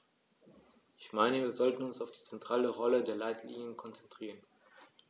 Ich meine, wir sollten uns auf die zentrale Rolle der Leitlinien konzentrieren.